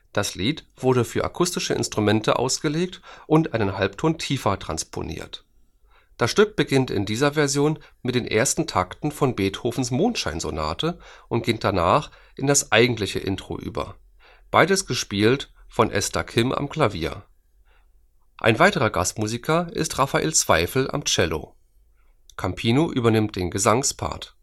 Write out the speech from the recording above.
Das Lied wurde für akustische Instrumente ausgelegt und einen Halbton tiefer transponiert. Das Stück beginnt in dieser Version mit den ersten Takten von Beethovens Mondscheinsonate und geht danach in das eigentliche Intro über, beides gespielt von Esther Kim am Klavier. Ein weiterer Gastmusiker ist Raphael Zweifel am Cello. Campino übernimmt den Gesangspart